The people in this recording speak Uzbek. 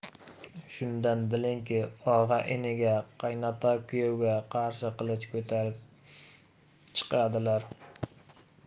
shundan bilingki og'a iniga qaynota kuyovga qarshi qilich ko'tarib chiqmishdirlar